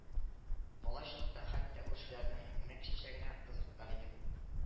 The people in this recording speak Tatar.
Малай чакта хәтта күршеләрнең мәк чәчәгенә кызыккан идем